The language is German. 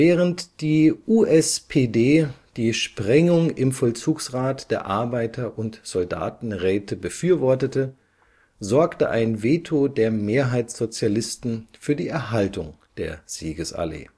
Während die USPD die Sprengung im Vollzugsrat der Arbeiter - und Soldatenräte befürwortete, sorgte ein Veto der Mehrheitssozialisten für die Erhaltung der Siegesallee